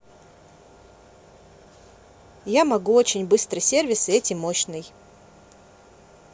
я могу очень быстрый сервис и эти мощный